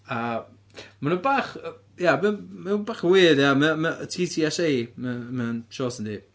a ma' nhw bach yy... Ia, mae o mae o bach yn weird ia mae o mae o TTSA mae o mae o'n short yndi.